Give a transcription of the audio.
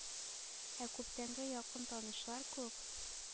Ә күптәнге якын танышлар күк,